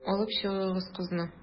Алып чыгыгыз кызны.